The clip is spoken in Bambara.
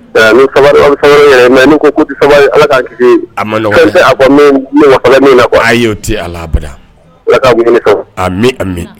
Bɛn ni be sabari aw be sabari aw yɛrɛ ye mais n'u ko k'u te sabari Ala k'an kisi a man nɔgɔn dɛ fɛn tɛ a kɔ ne ne wasala min na quoi ayi o ti a la abadan Ala k'a aami ami